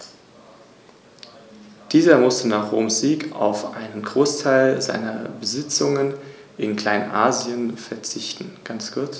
Dies führte zu oftmals unmäßigen Steuern, die die Wirtschaft dieser Gebiete auslaugte und immer wieder zu Aufständen führte.